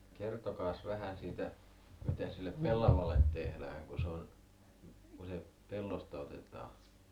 kertokaas vähän siitä mitä sille pellavalle tehdään kun se on kun se pellosta otetaan